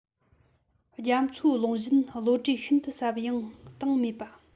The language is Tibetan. རྒྱ མཚོའི ཀློང བཞིན བློ གྲོས ཤིན ཏུ ཟབ ཡངས གཏིང མེད པ